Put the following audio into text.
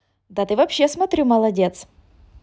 да ты вообще смотрю молодец